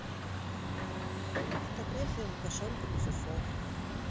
фотография лукашенко без усов